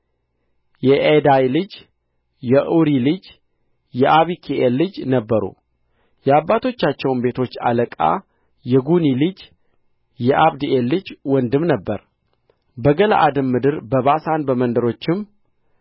የኢዳይ ልጅ የዑሪ ልጅ የአቢካኢል ልጆች ነበሩ የአባቶቻቸውም ቤቶች አለቃ የጉኒ ልጅ የአብዲኤል ልጅ ወንድም ነበረ በገለዓድም ምድር በባሳን በመንደሮቹም